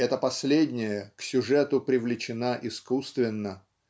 Эта последняя к сюжету привлечена искусственно.